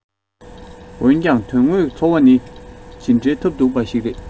འོན ཀྱང དོན དངོས འཚོ བ ནི ཇི འདྲའི ཐབས སྡུག པ ཞིག རེད